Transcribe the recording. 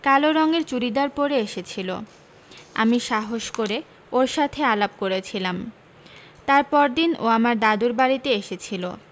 কালো রঙের চুড়িদার পরে এসেছিল আমি সাহস করে ওর সাথে আলাপ করেছিলাম তার পরদিন ও আমার দাদুর বাড়ীতে এসেছিল